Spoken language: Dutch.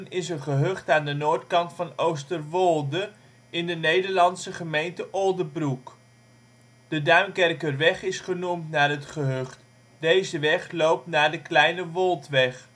is een gehucht aan de noordkant van Oosterwolde, in de Nederlandse gemeente Oldebroek. De Duinkerkerweg is genoemd naar het gehucht, deze weg loopt naar de Kleine Woldweg